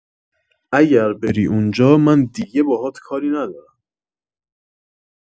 اگر بری اونجا من دیگه باهات کاری ندارم